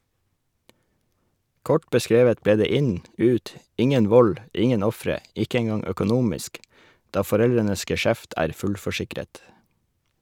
Kort beskrevet ble det inn, ut, ingen vold, ingen ofre, ikke engang økonomisk, da foreldrenes geskjeft er fullforsikret.